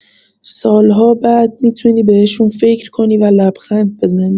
سال‌ها بعد می‌تونی بهشون فکر کنی و لبخند بزنی.